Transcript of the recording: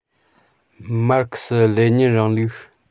མར ཁེ སི ལེ ཉིན རིང ལུགས